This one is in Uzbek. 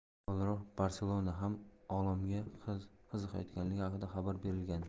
avvalroq barselona ham olmoga qiziqayotganligi haqida xabar berilgandi